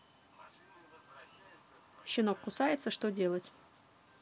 щенок кусается что делать